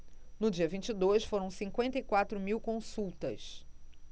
no dia vinte e dois foram cinquenta e quatro mil consultas